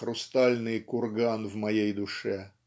хрустальный курган в моей душе".